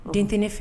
Den tɛ ne fɛ